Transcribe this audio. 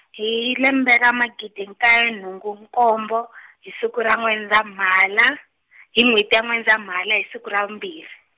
hi lembe ra magidi nkaye nhungu nkombo , hi siku ra N'wendzamhala , hi n'wheti ya N'wendzamhala hi siku ra vumbirhi.